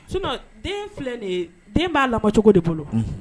Sinon den filɛ ni ye, den b'a lamɔ cogo de bolo, unhun.